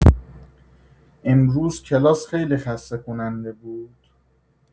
امروز کلاس خیلی خسته‌کننده بود؟